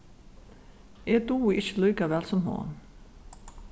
eg dugi ikki líka væl sum hon